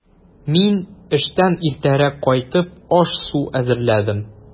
Мин, эштән иртәрәк кайтып, аш-су әзерләдем.